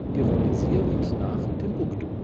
ironisierend nach Timbuktu